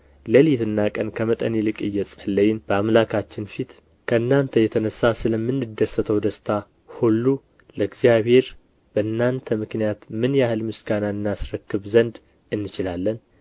ሌሊትና ቀን ከመጠን ይልቅ እየጸለይን በአምላካችን ፊት ከእናንተ የተነሣ ስለምንደሰተው ደስታ ሁሉ ለእግዚአብሔር በእናንተ ምክንያት ምን ያህል ምስጋና እናስረክብ ዘንድ እንችላለን